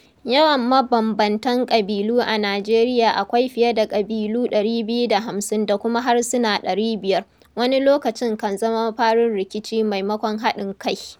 Yawan mabambamtan ƙabi'lu a Nijeriya - akwai fiye da ƙabilu 250 da kuma harsuna 500 - wani lokacin kan zama mafarin rikici maimakon haɗin kai.